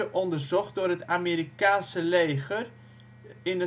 onderzocht door het Amerikaanse leger, in